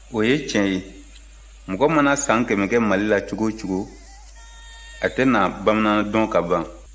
o ye tiɲɛ ye mɔgɔ mana san kɛmɛ kɛ mali la cogo o cogo a tɛna bamanana dɔn ka ban